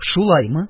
Шулаймы?